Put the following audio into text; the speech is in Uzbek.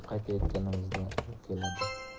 qaytayotganimizda u keladi